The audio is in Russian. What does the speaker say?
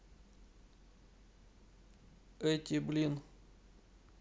эти блин